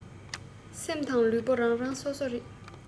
སེམས དང ལུས པོ རང རང སོ སོ རེད